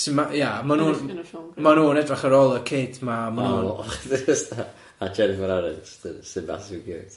Sy'n ma- ia ma' nhw'n... ma' nhw'n edrach ar ôl y kid 'ma a ma' nhw'n... O , a Jennifer Aniston sy'n massive ciwt.